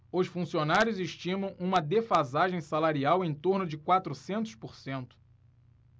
os funcionários estimam uma defasagem salarial em torno de quatrocentos por cento